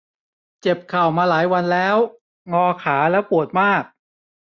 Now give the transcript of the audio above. เจ็บเข่ามาหลายวันแล้วงอขาแล้วปวดมาก